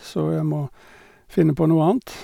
Så jeg må finne på noe annet.